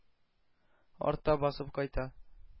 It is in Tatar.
Артта басып кайта.